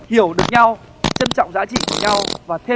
hiểu được nhau trân trọng giá trị của nhau và thêm